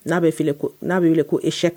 N'a bɛ fili ko n'a bɛ wele ko ec